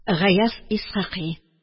Гаяз Исхакый